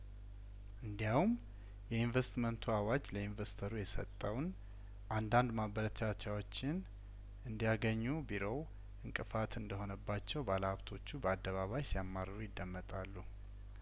እንዲያውም የኢንቨስትመንቱ አዋጅ ለኢንቨስተሩ የሰጠውን አንዳንድ ማበረታቻዎችን እንዲ ያገኙ ቢሮው እንቅፋት እንደሆነባቸው ባለሀብቶቹ በአደባባይ ሲያማርሩ ይደመጣሉ